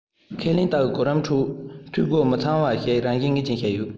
ཁས ལེན ལྟའི གོ རིམ ཁྲོད འཐུས སྒོ མི ཚང བ རང བཞིན ངེས ཅན ཞིག ཡོད